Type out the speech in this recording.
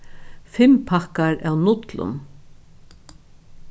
fimm pakkar av nudlum